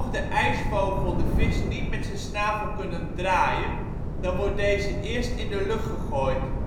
de ijsvogel de vis niet met zijn snavel kunnen draaien dan wordt deze eerst in de lucht gegooid